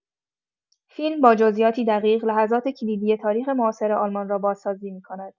فیلم با جزئیاتی دقیق، لحظات کلیدی تاریخ معاصر آلمان را بازسازی می‌کند؛